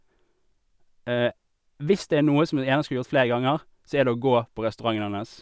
Hvis det er noe som jeg gjerne skulle gjort flere ganger, så er det å gå på restauranten hans.